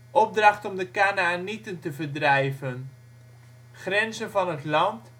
Opdracht om de Kanaanieten te verdrijven. Grenzen van het land